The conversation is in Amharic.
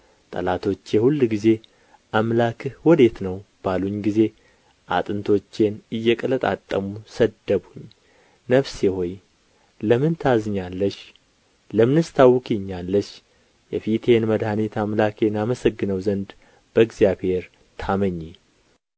ጠላቶቼ ሁልጊዜ አምላክህ ወዴት ነው ባሉኝ ጊዜ አጥንቶቼን እየቀለጣጠሙ ሰደቡኝ ነፍሴ ሆይ ለምን ታዝኛለሽ ለምንስ ታውኪኛለሽ የፊቴን መድኃኒት አምላኬን አመሰግነው ዘንድ በእግዚአብሔር ታመኚ